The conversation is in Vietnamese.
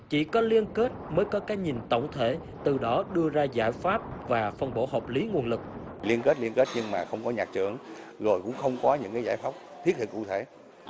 chỉ có liên kết mới có cái nhìn tổng thể từ đó đưa ra giải pháp và phân bổ hợp lý nguồn lực liên kết liên kết nhưng mà không có nhạc trưởng rồi cũng không có những giải pháp thiết thực cụ thể